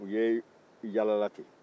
u yalala ten